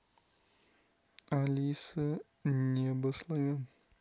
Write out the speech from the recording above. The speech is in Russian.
алиса небо славян